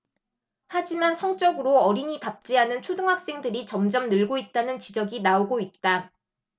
하지만 성적으로 어린이 답지 않은 초등학생들이 점점 늘고 있다는 지적이 나오고 있다